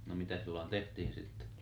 no mitä silloin tehtiin sitten